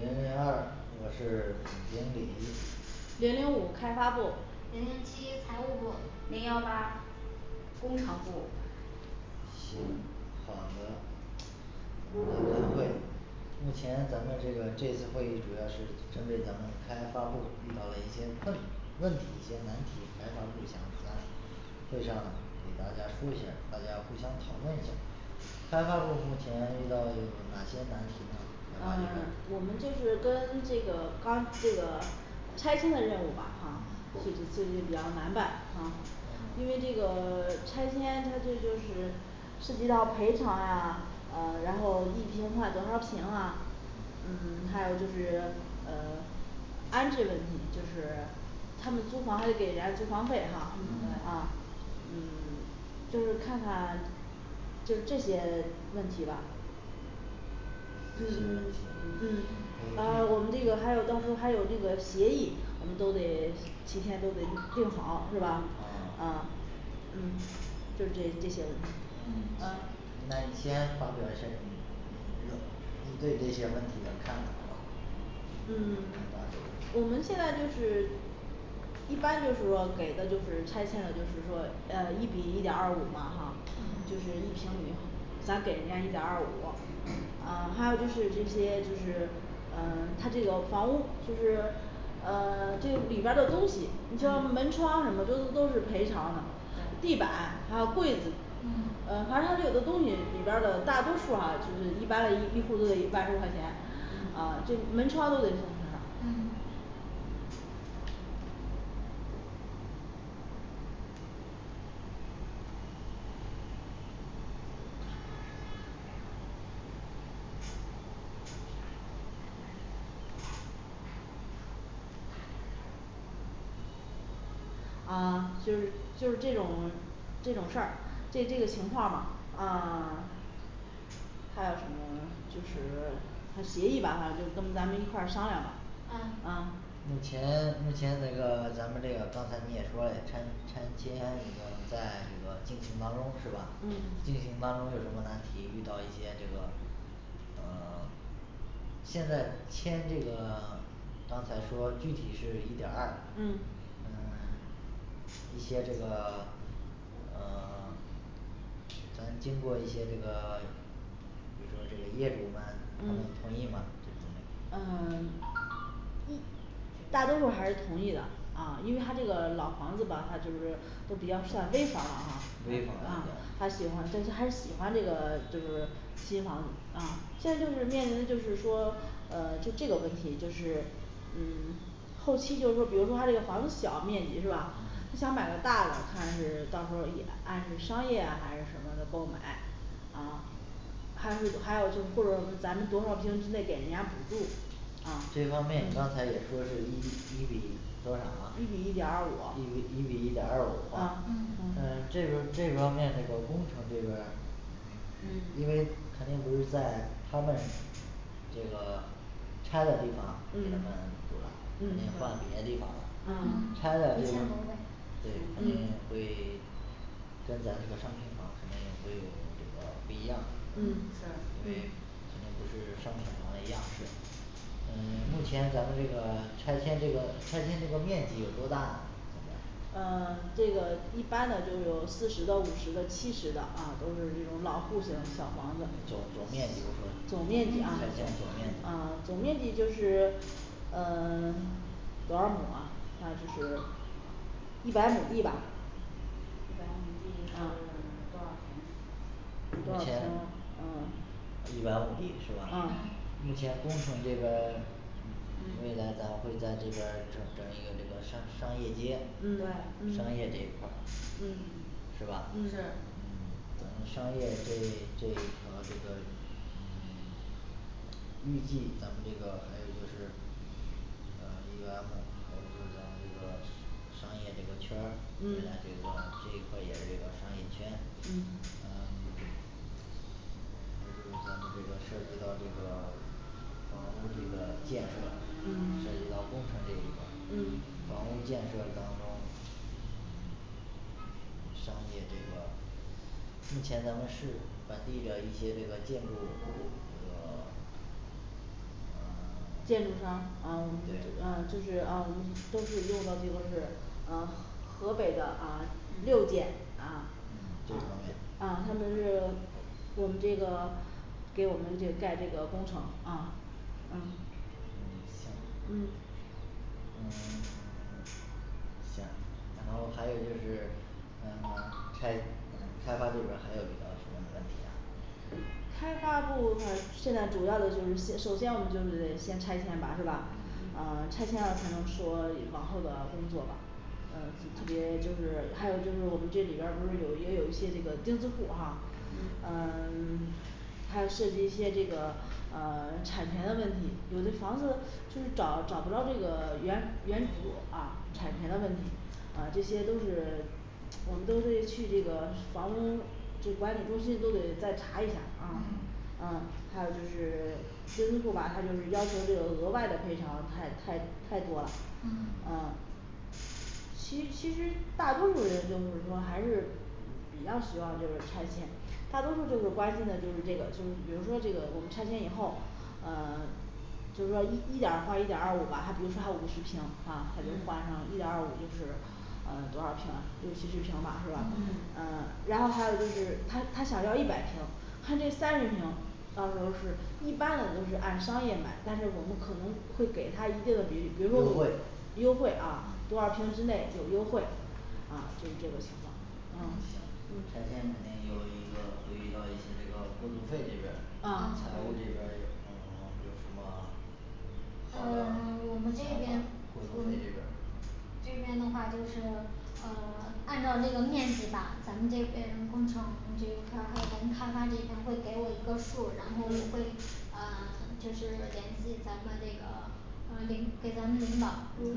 零零幺二，我是总经理零零五开发部零零七财务部零幺八工程部行，好的我们会目前咱们这个这次会议主要是针对咱们的开发部遇到了一些问问题些难题开发部想在会上给大家说一下儿，大家互相讨论一下儿开发部目前遇到哪些难题呢嗯 我们就是跟这个刚这个拆迁的任务吧哈嗯，最近最近比较难办哈嗯因为这个 拆迁它这就是涉及到赔偿呀呃，然后一平换多少平啊，嗯 还有就是，呃，安置问题，就是他们租房还得给人家租房费哈嗯，啊对嗯，就是看看就是这些 问题吧就这个问题，嗯呃，我们这个还有到时候儿还有那个协议，我们都得提前都得定好是吧？啊啊，嗯，就是这这些问题嗯啊那你先把这个事情解决了，先对付一下儿问题的看法儿好吧啊嗯我们现在就是一般就是说给的就是拆迁了，就是说呃一比一点儿二五嘛哈嗯就是一平米，咱给人家一点儿二五，呃，还有就是这些就是呃，他这个房屋就是，呃 这个里边儿的东西你说门窗什么的这都是赔偿的，地板还有柜子，嗯呃反正他有的东西里边儿的大多数儿啊就是一般的一一户儿都得一万多块钱嗯啊，这门窗都得送他嗯啊，就是就是这种这种事儿，这这个情况啊 还有什么就是谈协议吧，反正就是跟咱们一块儿商量吧，嗯嗯目前目前那个咱们这个刚才你也说嘞，拆拆迁在这个进行当中是吧？进嗯行当中有什么难题，遇到一些这个，呃 现在签这个刚才说具体是一点儿二嗯嗯， 一些这个 呃， 咱们经过一些这个 这个这个业主们能嗯同意吗？呃 这大多数儿还是同意的啊，因为他这个老房子吧他就是都比较算危房了哈。啊，危房他喜欢的就是喜欢这个就是新房子啊现在就是面临的就是说呃就这个问题。 就是嗯 后期就是说比如说他这个房子小面积是吧？他想嗯买个大的，看是到时候儿也按这个商业还是什么的购买，啊还有还有就是后边儿我们咱们多少平之内给人家补助啊这方面你嗯刚才也说是一一比多少一比一点儿二五啊一一比一点儿二啊嗯五那这这方面这个工程这边儿嗯因为肯定不是在他们这个拆的地方，给他嗯们补了，肯嗯定换别，的对地方了嗯，提嗯前拆的这个挪位对，不行嗯会跟咱这个商品房肯定也会有点儿不一样嗯是对肯定不是商品房的样式。 嗯，目前咱们这个拆迁这个拆迁这个面积有多大呢？呃，这个，一般的就有四十到五十的七十的啊都是这种老户型儿，小房子总总面积都多少总面积啊啊，总面积就是呃 啊对总面啊积，总面积就是呃 多少亩啊？那就是一百亩地吧。一百亩地就嗯是多少平？多少一平天？嗯一百亩地是啊吧嗯，一天工程这边儿嗯 未来打算在这边儿整整一个这个商商业街嗯对，商业嗯这一块儿嗯是吧嗯是嗯商业街这一条这个嗯 预计咱们这个还有就是呃一般然后就是咱们这个商业这个圈儿未嗯来这个这块也是这个商业圈，嗯呃 就就是咱们这个涉及到这个房屋这个建设嗯在这个工程这个嗯房屋建设当中嗯商业这块儿目前咱们市本地的一些这个建筑工这个嗯 建筑商嗯啊我们就是对啊，就是嗯，我们都是用的这个是呃河北的啊，六建啊嗯，这方嗯面还有就是我们这个给我们这个盖这个工程啊嗯嗯，行嗯嗯， 行然后还有就是呃开嗯开发这边儿还有遇到什么问题呢？开发部现在现在主要的就是首先我们就是得先拆迁吧，是吧？嗯嗯，拆迁了才能说以往后的工作吧嗯，就特别就是，还有就是我们这里边儿不是有也有一些这个钉子户儿哈嗯呃 还要涉及一些这个呃 产权的问题，有的房子就是找找不着这个原原图啊产权的问嗯题，啊这些都是我们都得去这个房屋这管理中心都得再查一下儿啊嗯，嗯还有就是 钉子户儿吧他就是要求这个额外的赔偿太太太多了嗯啊其其实大多数儿人就是说还是比较希望就是拆迁，大多数儿就是关心的就是这个，就是比如说这个我们拆迁以后呃，就说一一点儿换一点儿二五吧，他比如说他五十平，哈，他就换嗯上一点儿二五就是嗯，多少平啊？六七十平吧是吧嗯？嗯呃然后还有就是他他想要一百平他这三十平到时候儿是一般我们是按商业买，但是我们可能会给他一定的比例，比不如说我会优惠啊多嗯少平之内有优惠啊，就是这个平方啊,嗯拆迁肯定也有一个会遇到一些这个过渡费这边儿，啊啊财务这边儿啊 有什么？嗯 我们这边这边的话就是呃 按照这个面积吧，咱们这边工程这一块儿，还有咱们开发这边会给我一个数儿，然后我们会呃 就是联系咱们这个 领给咱们领导，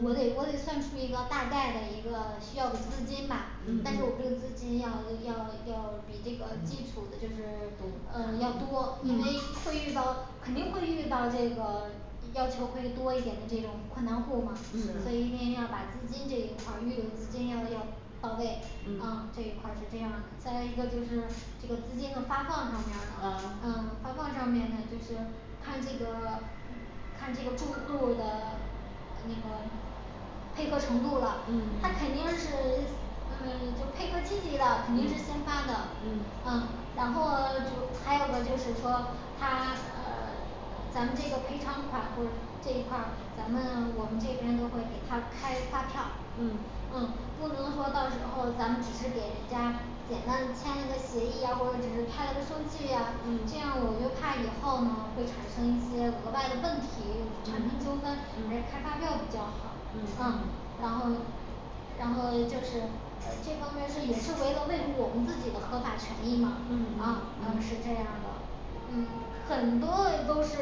我得我得算出一个大概的一个需要的资金嘛嗯嗯，但是我这个资金要要要比这个基础的就是 嗯，多呃要多，因为嗯会遇到肯定会遇到这个要求会多一点儿的这种困难户嘛，所以一嗯嗯定要把资金这一块儿预留资金要要到位嗯啊，这一块儿是这样的。再一个就是这个资金的发放上面儿，啊嗯，发放上面呢就是看这个看这个住户的呃那个配合程度了，他嗯肯定是嗯就配合积极的，肯定是先嗯发的，嗯嗯然后呢就还有呢就是说他呃咱们这个赔偿款或者这一块儿，咱们我们这边都会给他开发票，嗯嗯不能说到时候儿咱们只是给人家简单的签个协议呀，或者只是开了个收据呀，这样嗯我就怕以后呢会产产生一些额外的问题，产生纠纷还是开嗯发票比较好，嗯嗯嗯然后然后就是呃这方面儿是也是为了维护我们自己的合法权益嘛，嗯，嗯然后嗯是这样的。嗯很多的都是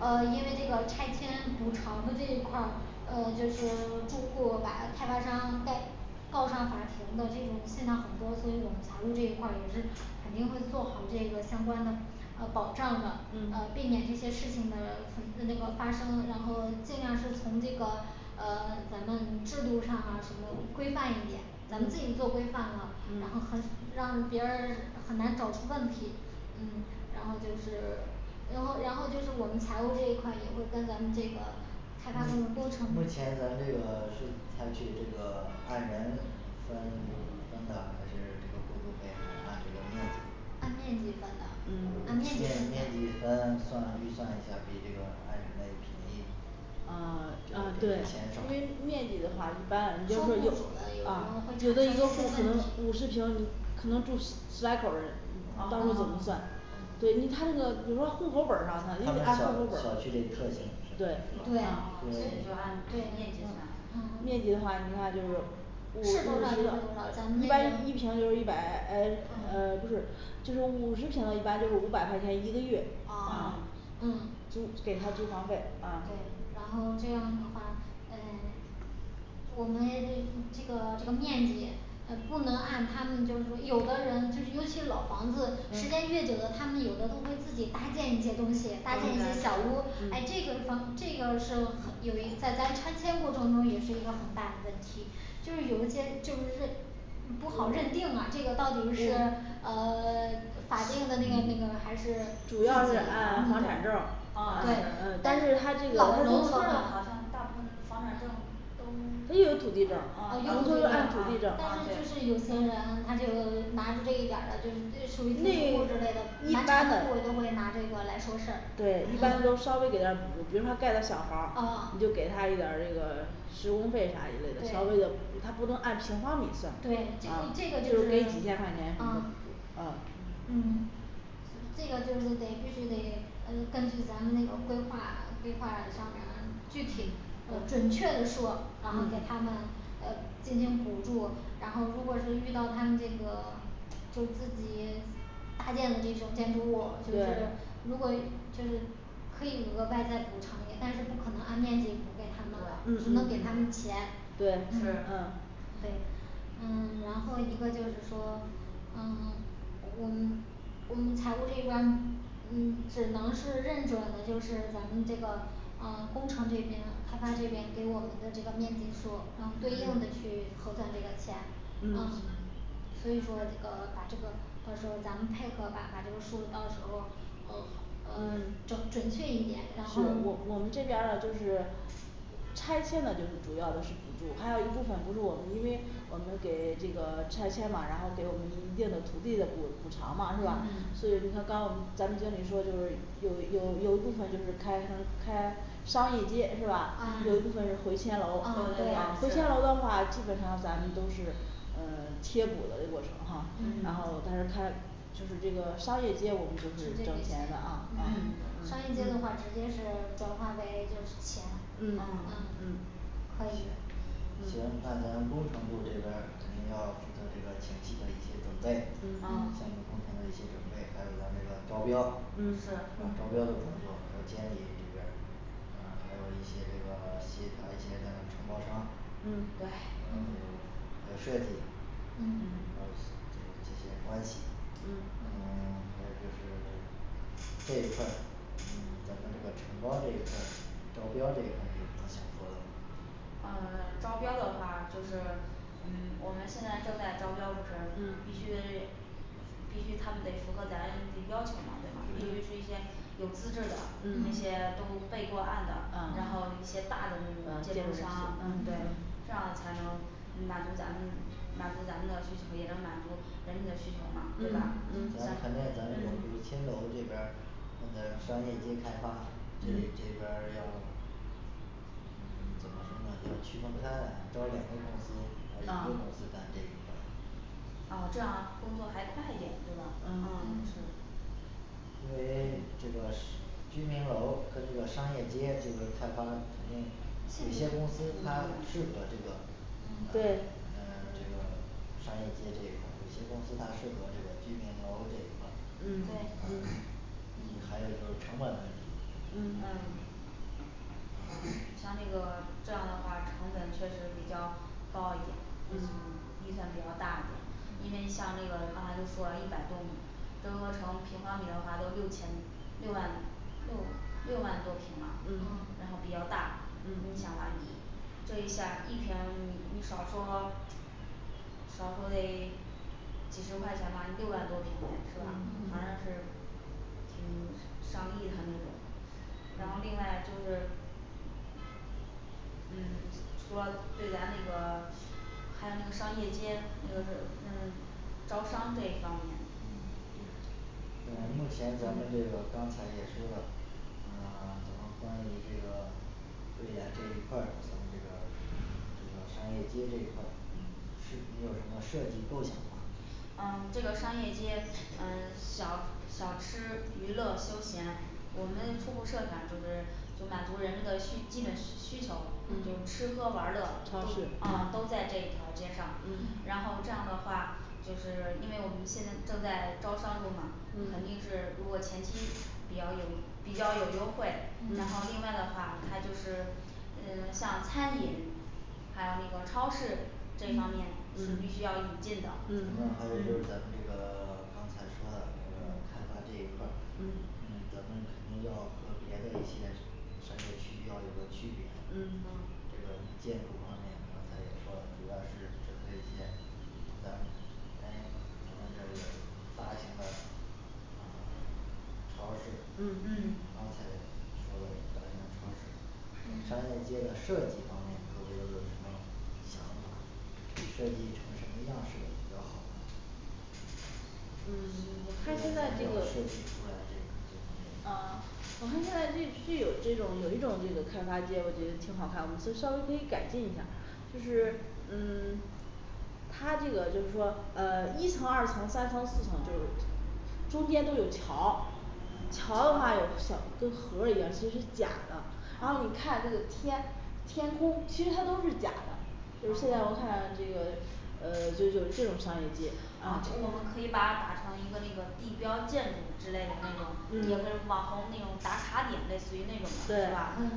呃因为这个拆迁补偿的这一块儿，嗯，就是住户把开发商盖告上法庭的这种现象很多，所以我们财务这一块儿也是肯定会做好这个相关的呃保障的，呃嗯避免这些事情的存自那个发生，然后尽量是从这个呃 咱们制度上啊什么规范一点咱们自己做规范了，然后嗯很让别人儿很难找出问题嗯，然后就是然后然后就是我们财务这一块也会跟咱们这个。开发的那个过程目前咱这个是采取这个按人分分的还是这个过渡费还按这个面积按面积分的按嗯面按面积积分的分算预算一下儿比这个按人的便宜。呃 嗯，对减少，因为面积的话一般来，你就说不准有有时候儿啊会有出的一个户儿可能五十现一些平问题你可能住十十来口儿人儿，嗯到时候儿嗯怎么算？对，你看那个比如说户口本儿上嗯他，因为咱按小户口本儿小区得特定是对对对呀，嗯对都要按这嗯面积来嗯面积的话你看就是五五是多少就算多少，咱十们，一这个般一平就是一百，唉，呃，不是就是五十平的，一般就是五百块钱一个月啊啊嗯就给他租房费，啊对。然后这样的话，呃我们按这嗯这个这个面积呃不能按他们就是说，有的人就是尤其是老房子时间嗯越久的，他们有的都会自己搭建一些东西，搭建一些小屋儿，哎这嗯个房这个是呃有在咱拆迁过程中也是一个很大的问题就是有一些就是认不好认定啊这个到底是呃 法定的那个那个还是主要是啊，房产证儿嗯呃，对，但但是是他他这个这个他大部老农村分房产证儿都都有土地证儿，咱们都是按土地证儿，但是就是有些人他就是拿着这一点儿的就是土地证儿这一类的一他般的们就会拿这个来说事儿对，一般都稍微给他补助，比如说他盖了小房啊儿，你就给他一点儿这个施工费啥一类的稍微给点对儿补助，他不能按平方米算啊，对，这个啊这这个个就就就是给几是啊是千块钱啊啊嗯嗯这个就是得必须得嗯根据咱们那个规划规划上面儿具体呃准确的数儿然后给他们呃进行补助然后如果是遇到他们这个就自己搭建的这种建筑物儿，就是如对果就是可以额外再补偿，也但是不可能按面积补给他们了，只能给他们钱。对，嗯是对嗯 然后一个就是说嗯，我们我们财务这一边儿嗯，只能是认准了就是咱们这个嗯，工程这边开发这边给我们的这个面积数儿，然后对应的去核算这个钱。嗯嗯行所以说这个把这个到时候儿咱们配合吧把这个数儿到时候儿呃嗯整嗯准确一点，然后我我们这边儿了就是拆迁呢就是主要的是补助，还有一部分不是我们因为我们给这个拆迁嘛，然后给我们一定的土地的补补偿吧是吧嗯？ 所以嗯刚咱们经理说就是有有有一部分就是开商开商业街是吧啊？有一部分就是回迁楼，啊啊，对，回迁楼的话基本上咱们都是嗯，贴补了这个过程哈，然后嗯他他就是这个商业街我们就直是接给他挣钱钱的啊嗯嗯商业街的话直接是转化为就是钱嗯嗯啊可以行嗯，那咱工程部这边儿肯定要负责这个前期的一些准备，项目工程的一些准备，还有咱那个招啊标，是招标的工作，还有监理这边儿，呃，还有一些这个协调一些的承包商，嗯嗯，还对嗯嗯有还有设计，嗯嗯还有一些就是抓起，嗯嗯，还有就是这一块儿，咱们这个承包这一块儿，招标这一块儿，有什么想说的吗啊，招标的话，就是嗯我们现在正在招标值，必须嗯得必须他们得符合咱那要求嘛，对吧？必须是一嗯些有资质的那些都备过案的嗯啊，然嗯后一些大的那个嗯建建筑筑商商嗯嗯嗯对嗯嗯，这样才能满足咱们满足咱们的需求，也能满足人民的需求嘛是嗯吧嗯咱们咱们回迁楼这边儿，嗯那儿商业街开发所以这嗯边儿要嗯，可能就更要区分开了来找两个公司，呃一啊个公司干这一个块儿了啊，这样工作还快一点对吧啊嗯嗯嗯因为这个商 居民楼和这个商业街这边儿开发，肯定市有些民公司它适合这个嗯，呃对这个商业街这一块儿，有些公司它适合这个居民楼这一块儿，嗯嗯对嗯。还有就是成本问题嗯嗯啊像那个这样的话成本确实比较高一点嗯，影响比较大一点。因为嗯像那个刚才都说了一百多亩折合成平方米的话都六千六万六六万多平了嗯，嗯，然后比较大你想嗯嘛这一下儿一平你你少说少说得几十块钱吧六万多平米是吧嗯？嗯反正是挺上亿的那种。然后另嗯外就是嗯，说对咱那个还有那个商业街，那个嗯招商这一方面。嗯，对呃嗯目嗯前咱们这个刚才也说了，嗯，怎么分你这个未来这一块儿咱们这个这个商业街这一块儿是不是有什么设计构想啊嗯这个商业街呃小小吃娱乐休闲我们初步嗯设想就是能满足人们的的需基本需求嗯就嗯吃喝玩乐超市，嗯啊都在这一条街上。嗯嗯然后这样的话就是因为我们现在正在招商中吗，肯嗯定是如果前期比较有比较有优惠，然嗯后另外的话他就是呃像餐饮还有那个超市这方面嗯是嗯必须要引进的，嗯还有就是咱们这个 刚才说了那个开发这一块儿嗯嗯咱们肯定要和别的一些商商业区要有个区别。嗯啊这个建筑方面刚才也说了，主要是针对一些咱因为咱们这儿有大型的呃超市，然嗯后嗯才比如说咱超市商嗯业街的设计方面各位都有什么想法？设计成什么样式的比较好呢嗯，他现咱们在设计这个出来的这种嗯这个我们现在是有这种有一种这个开发街，我觉得挺好看，我们稍微可以改进一下儿。就是嗯 他这个就是说呃一层二层三层四层，就是中间都有桥，嗯桥的话有小跟河儿一样其实是假的，然后你看这个天天空其实它都是假的就是现在我看这个呃就有这种商业街，啊我们可以把它打成那个地标建筑之类的那种，有那种嗯网红那种打卡点类似于那种对对啊吧嗯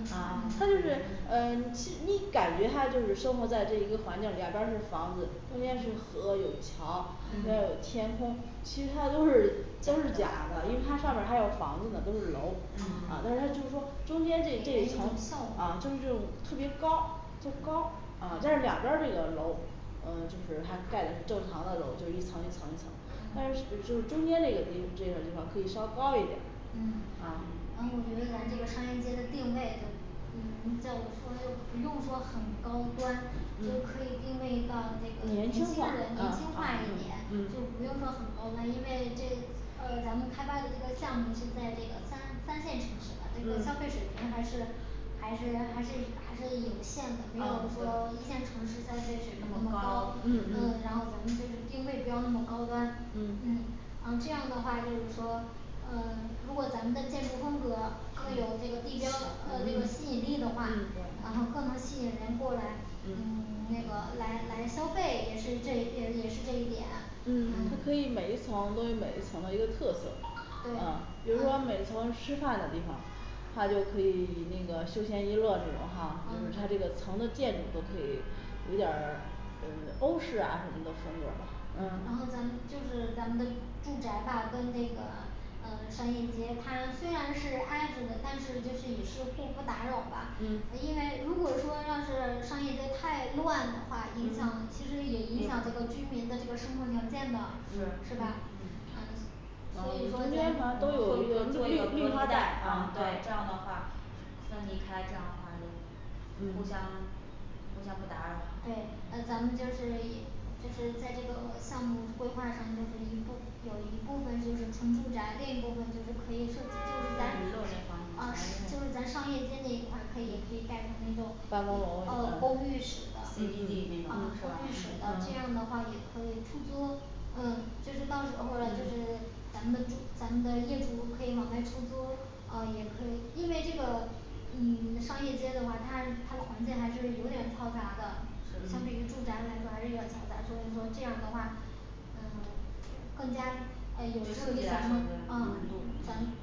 他就嗯是嗯其你感觉他就是生活在这样一个环境，两边儿是房子中间是河有桥，还有嗯天空，其实它都是都是假的，因为它上边儿还有房子呢都是楼，嗯啊但是就是说中间这这这一一层层空啊就是儿这种特别高它高，啊但是两边儿这个楼嗯就是它盖的是正常的楼，就是一层一层一层，嗯但是呃就是中间这个地这个地方儿可以稍高一点儿，嗯啊嗯我觉得咱这个商业街的定位嗯嗯叫我说就不用说很高端，就可以定位到这个年年轻轻化啊人，嗯年轻化一点，就不用说很高端，因为这呃咱们开发的这个项目是在这个三三线城市的这个消费嗯水平还是还是还是以还是有限的没嗯有说一线城市消费啊水平那那么么高，嗯高然嗯后咱们就是定位不要那么高端嗯嗯，然后这样的话就是说嗯 如果咱们的建筑风格更有这个地标呃那个嗯吸引力的话嗯，然后对更能吸引人过来嗯嗯 那个来来消费，也是这也是也是这一点嗯嗯它可以每一层都有的一个特色。对啊，比如说每层吃饭的地方儿它就可以那个休闲娱乐那种哈，就是它这个层的建筑都可以嗯有点儿呃欧式啊什么的风格儿吧嗯然后咱们就是咱们的住宅吧跟这个呃商业街它虽然是挨着的，但是就是也是互不打扰吧嗯呃因为如果说要是商业街太乱的话，影嗯响其实也影响这个对居民的这个生活条件的，是嗯吧？嗯是所以说咱啊中间反正都们有一个绿绿绿化带啊对这样的啊话分离开这样的话，也，互相嗯啊互相不打扰对，嗯咱们就是也就是在这个项目规划上面儿有一部有一部分就是纯住宅，另一部分就是可以涉涉及咱娱乐那呃方就是面咱商业街那一块儿可以也可以盖成那种办公楼呀公嗯寓式的，嗯嗯嗯公寓式的这样的话也可以出租，嗯就是到时候儿就是咱们的住咱们的业主可以往外出租嗯，也可以，因为这个嗯商业街的话它它老实现在是有点儿嘈杂的，相对于住嗯宅来说还是有点儿嘈杂的，所以说这样的话，嗯更加哎有嗯有助助于于咱咱们们嗯咱们嗯嗯，啊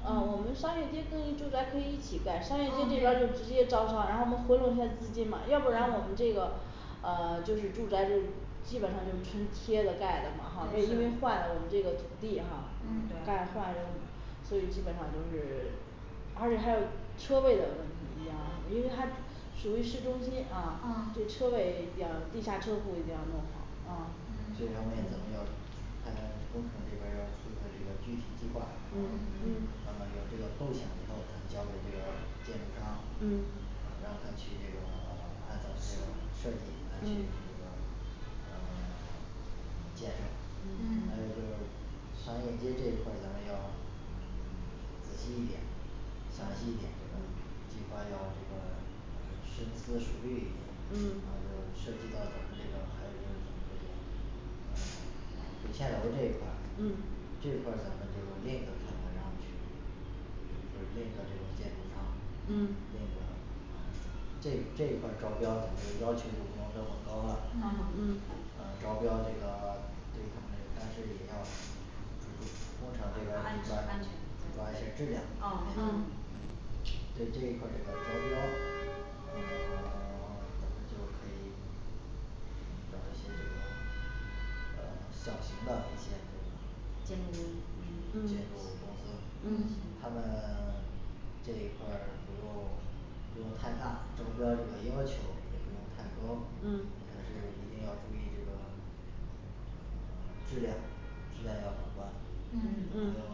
呃我们商业街跟住宅可以一起盖，商业街这边儿就直接招商，然后我们回笼一下资金嘛，要不然我们这个啊就是住宅就是基本上就是纯贴的盖的嘛哈，因对为换了我们这个土地哈补盖嗯对换都是，所以基本上都是而且还有车位的问题一样什么的，因为它属于市中心啊啊，这车位要地下车库一定要弄好啊嗯嗯这方面咱们要看工程这边儿出个这个具体计划呃嗯嗯有这个构想以后把它交给这个建筑商嗯，然后他去这个按咱们这个设计来咱去嗯这个呃建嗯嗯设还有就是商业街这一块儿咱们要嗯仔细一点，详细一点。计嗯划要这个呃深思熟虑一点嗯然后就涉及到咱们这个还有就是咱这个呃就牵头儿这一块儿嗯，这一块儿咱们就练一下然后去就另一个这个建筑商另嗯一个这个这块儿招标要求就不要这么高了，嗯嗯呃招标这个这方面儿，但是也要这 工程这边抓安儿去全抓那安个抓一下儿质全量哦嗯对这一块儿这个招标，那 咱们就可以嗯找一些这个呃小型的一些这个建筑公建筑司嗯嗯公司，他嗯们 这一块儿不用不用太大，招标这个要求不能太高了，嗯但是一定要注意这个呃质量质量要把关嗯还有，嗯嗯